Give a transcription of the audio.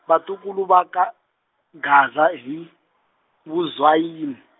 vatukulu va ka, Gaza hi, Muzwayine.